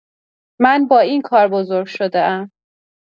من با این کار بزرگ شده‌ام.